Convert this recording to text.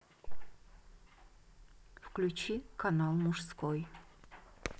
включи канал мужской